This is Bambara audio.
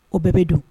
O bɛɛ bɛ don.